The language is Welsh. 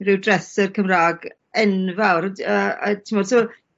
rhyw dreser Cymra'g e- enfawr yd- yy a t'mod so